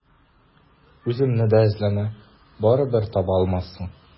Үземне дә эзләмә, барыбер таба алмассың.